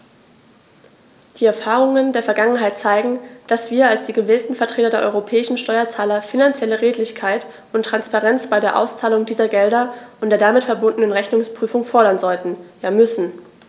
Die Erfahrungen der Vergangenheit zeigen, dass wir als die gewählten Vertreter der europäischen Steuerzahler finanzielle Redlichkeit und Transparenz bei der Auszahlung dieser Gelder und der damit verbundenen Rechnungsprüfung fordern sollten, ja müssen.